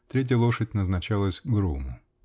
третья лошадь назначалась груму.